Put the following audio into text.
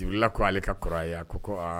Jurula ko ale ka kɔrɔ ye ko ko